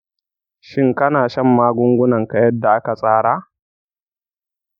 shin kana shan magungunanka yadda aka tsara?